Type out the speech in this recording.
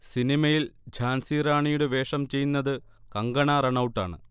സിനിമയിൽ ഝാൻസി റാണിയുടെ വേഷം ചെയ്യുന്നത് കങ്കണ റണൗട്ടാണ്